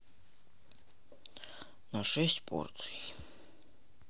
на шесть порций